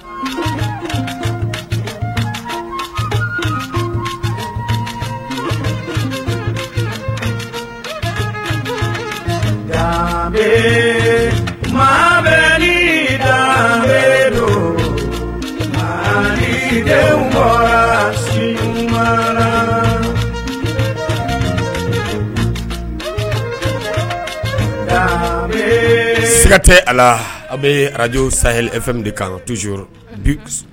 Maa bɛkuma siga tɛ a la a bɛ arajo sa e fɛn de ka tusi